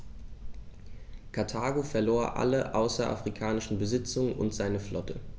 Karthago verlor alle außerafrikanischen Besitzungen und seine Flotte.